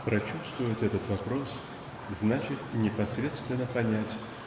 Прочувствовать этот вопрос--значит непосредственно понять